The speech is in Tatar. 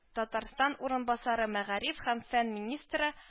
Татарстаны урынбасары - мәгариф һәм фән министры